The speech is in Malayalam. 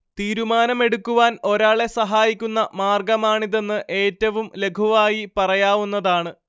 തീരുമാനമെടുക്കുവാൻ ഒരാളെ സഹായിക്കുന്ന മാർഗ്ഗമാണിതെന്ന് ഏറ്റവും ലഘുവായി പറയാവുന്നതാണ്